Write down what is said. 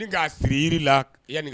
Siri i la yanani